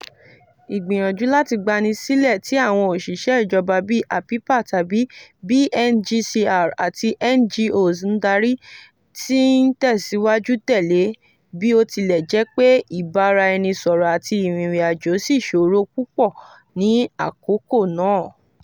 Ìgbìyànjú láti gbani sílẹ̀, tí àwọn òṣìṣẹ́ ìjọba bíi Apipa tàbí BNGCR àti NGOs dárí, ti ń tẹ̀síwájú tẹ́lẹ̀ bí ó tilẹ̀ jẹ́ pé ìbáraẹnisọ̀rọ̀ àti ìrìnrìn-àjò sì ṣòro gan-an ní àkókò náà.